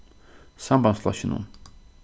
sambandsflokkinum